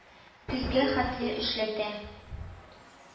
Көзгә хәтле эшләтә.